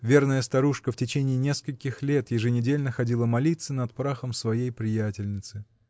верная старушка в течение нескольких лет еженедельно ходила молиться над прахом своей приятельницы.